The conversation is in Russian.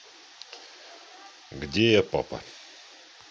где я папа